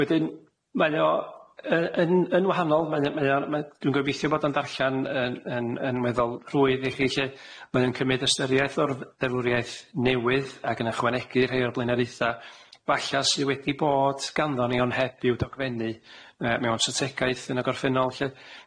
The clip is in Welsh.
Wedyn, mae o yy yn yn wahanol, mae o mae o ma- dwi'n gobeithio bod o'n darllan yn yn yn weddol rhwydd i chi lly, mae o'n cymyd ystyriaeth o'r f- darwriaeth newydd ag yn ychwanegu rhei o'r blaenareitha falla sy wedi bod ganddon ni ond heb i'w dogfennu yy mewn strategaeth yn y gorffennol lly.